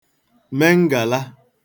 me ngàla